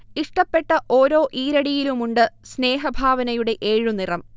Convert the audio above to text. ഇഷ്ടപ്പെട്ട ഓരോ ഈരടിയിലുമുണ്ടു സ്നേഹഭാവനയുടെ ഏഴു നിറം